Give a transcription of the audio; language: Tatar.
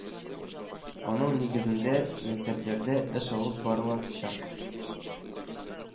Аның нигезендә, мәктәпләрдә эш алып барылачак